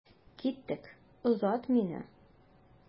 Киттек, озат мине.